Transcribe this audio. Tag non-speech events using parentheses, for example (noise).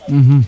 (hesitation) (hesitation)